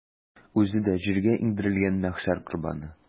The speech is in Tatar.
Үзе дә җиргә иңдерелгән мәхшәр корбаны.